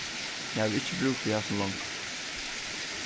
eg havi ikki brúk fyri hasum longur